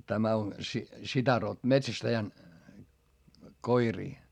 tämä on sitä - metsästäjän koiria